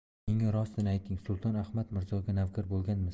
menga rostini ayting sulton ahmad mirzoga navkar bo'lganmisiz